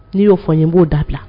Ni yo fɔ n ye bo dabila.